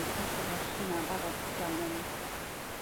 bo' ni 'di cyffwrdd ar rheina'n barod tydan yrm